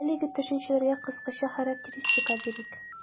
Әлеге төшенчәләргә кыскача характеристика бирик.